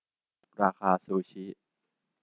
ราคาซูชิ